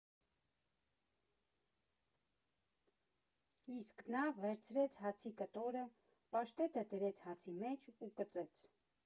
Իսկ նա վերցրեց հացի կտորը, պաշտետը դրեց հացի մեջ ու կծեց։